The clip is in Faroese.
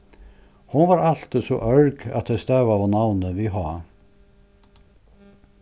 hon var altíð so ørg at tey stavaðu navnið við h